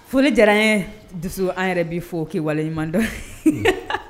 Foli diyara ye dusu an yɛrɛ bɛ fɔ kɛwalehiɲuman dɔn